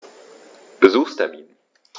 Besuchstermin